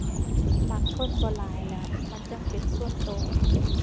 มักคนบ่หลายแหล้ว มันจั่งเป็นส่วนตัว